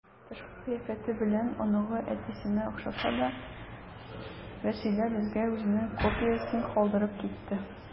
Тышкы кыяфәте белән оныгы әтисенә охшаса да, Вәсилә безгә үзенең копиясен калдырып китте.